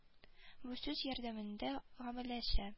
Бу сүз ярдәмендә гамәлләшә